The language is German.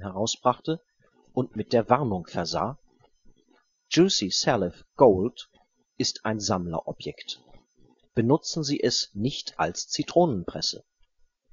herausbrachte und mit der Warnung versah: „ Juicy Salif Gold ist ein Sammlerobjekt. Benutzen Sie es nicht als Zitronenpresse: